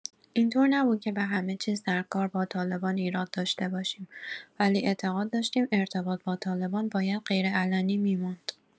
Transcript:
این‌طور نبود که به همه چیز در کار با طالبان ایراد داشته باشیم، ولی اعتقاد داشتیم ارتباط با طالبان باید غیرعلنی می‌ماند.